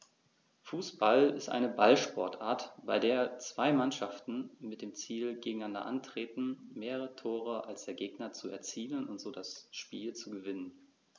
Fußball ist eine Ballsportart, bei der zwei Mannschaften mit dem Ziel gegeneinander antreten, mehr Tore als der Gegner zu erzielen und so das Spiel zu gewinnen.